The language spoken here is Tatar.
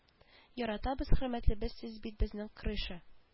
Яратабыз хөрмәтлебез сез бит безнең крыша